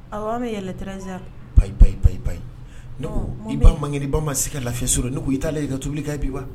Aw an bɛ yɛlɛtraz payiyi payi bayi i ba mang ni ba ma se ka lafife s ne ko i taa la i ka tbili bi wa